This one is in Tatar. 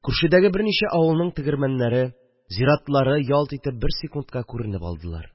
Күршедәге берничә авылның тегермәннәре, зиратлары ялт итеп бер секундка күренеп алдылар